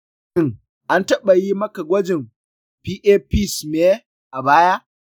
shin an taba yi maka gwajin pap smear a baya?